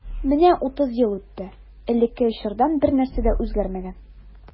Менә утыз ел үтте, элекке чордан бернәрсә дә үзгәрмәгән.